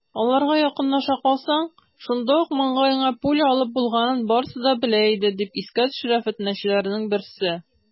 Аларга якынлаша калсаң, шунда ук маңгаеңа пуля алып булганын барысы да белә иде, - дип искә төшерә фетнәчеләрнең берсе.